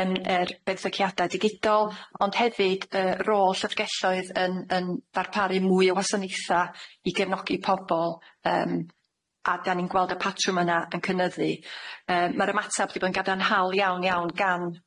yn yr benthygiada digidol ond hefyd yy rôl llyfrgelloedd yn yn darparu mwy o wasaneutha i gefnogi pobol yym a 'dan ni'n gweld y patrwm yna yn cynyddu yy ma'r ymateb 'di bod yn gadarnhaol iawn iawn gan